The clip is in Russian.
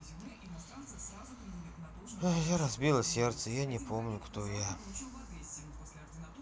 я разбила сердце я не помню кто я